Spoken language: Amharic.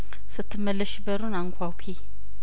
ስትመለሺ በሩን አንኳኲ